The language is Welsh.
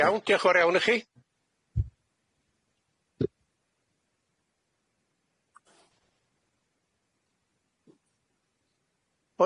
Iawn diolch yn fawr iawn i chi.